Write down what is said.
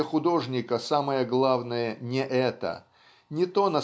для художника самое главное не это не то